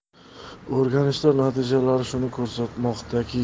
o'rganishlar natijalari shuni ko'rsatmoqdaki